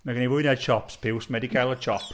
Ma' gan hi fwy na chops piws, mae 'di cael y chop.